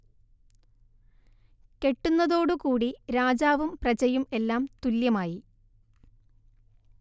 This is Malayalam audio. കെട്ടുന്നതോടു കൂടീ രാജാവും പ്രജയും എല്ലാം തുല്യമായി